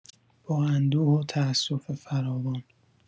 با اندوه و تاسف فراوان